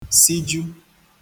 siju